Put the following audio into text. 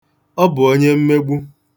Ọ bụ onye mmegbu.